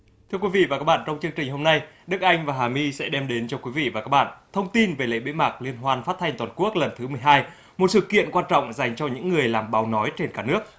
thưa quý vị và các bạn trong chương trình hôm nay đức anh và hà my sẽ đem đến cho quý vị và các bạn thông tin về lễ bế mạc liên hoan phát thanh toàn quốc lần thứ mười hai một sự kiện quan trọng dành cho những người làm báo nói trên cả nước